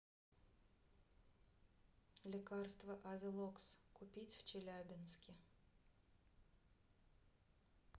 лекарство авелокс купить в челябинске